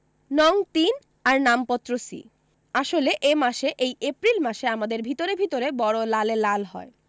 নং তিন আর নামপত্র সি আসলে এ মাসে এই এপ্রিল মাসে আমাদের ভিতরে ভিতরে বড় লালে লাল হয়